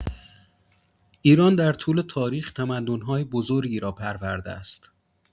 ایران در طول تاریخ تمدن‌های بزرگی را پرورده است.